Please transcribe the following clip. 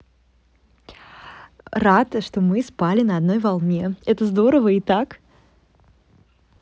рад что мы спали на одной волне это здорово и так